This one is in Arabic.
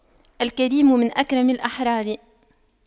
الكريم من أكرم الأحرار